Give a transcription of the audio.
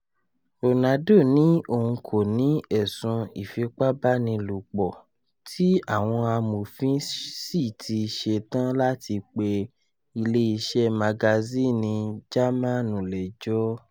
Ronaldo ní òun kò ní ẹ̀sùn ìfipabanilòpọ̀ tí àwọn amòfin sì ti ṣetán láti pe ilé iṣẹ́ Magazínnì Jámánù lẹ́jọ́